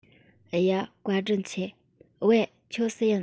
ཡ བཀའ དྲིན ཆེ བེ ཁྱོད སུ ཡིན